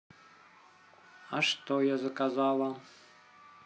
а что я заказала